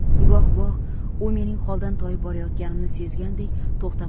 goh goh u mening holdan toyib borayotganimni sezgandek to'xtab